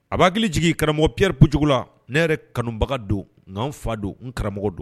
A ban hakili jigin karamɔgɔ Piyɛri Kojugu la. Ne yɛrɛ kanubaga don . Nga n fa don n karamɔgɔ don.